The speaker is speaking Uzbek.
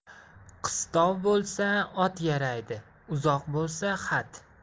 qistov bo'lsa ot yaraydi uzoq bo'lsa xat